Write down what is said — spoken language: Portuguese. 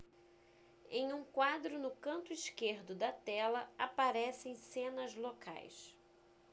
em um quadro no canto esquerdo da tela aparecem cenas locais